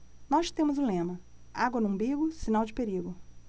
nós temos um lema água no umbigo sinal de perigo